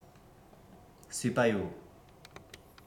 སོས པ ཡོད